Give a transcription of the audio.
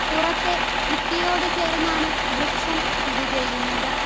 പുറത്തെ ഭിത്തിയോടു ചേർന്നാണ് വൃക്ഷം സ്ഥിതി ചെയ്യുന്നത്